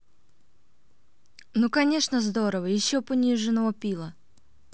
ну конечно здорово еще пониженого пила